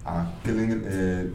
A kelen